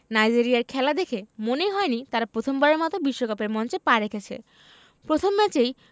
নাইজেরিয়ার খেলা দেখে মনেই হয়নি তারা প্রথমবারের মতো বিশ্বকাপের মঞ্চে পা রেখেছে প্রথম ম্যাচেই